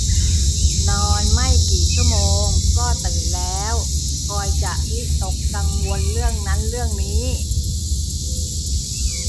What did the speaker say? นอนไม่กี่ชั่วโมงก็ตื่นแล้วคอยจะวิตกกังวลเรื่องนั้นเรื่องนี้